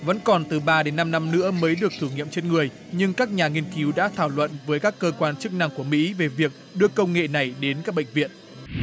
vẫn còn từ ba đến năm năm nữa mới được thử nghiệm trên người nhưng các nhà nghiên cứu đã thảo luận với các cơ quan chức năng của mỹ về việc đưa công nghệ này đến các bệnh viện